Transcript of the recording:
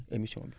émission bi